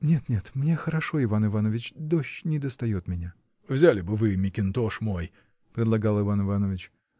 — Нет, нет, мне хорошо, Иван Иванович: дождь не достает до меня. — Взяли бы вы мекинтош мой. — предлагал Иван Иванович.